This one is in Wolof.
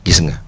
gis nga